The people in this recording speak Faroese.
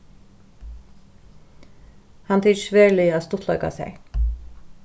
hann tykist veruliga at stuttleika sær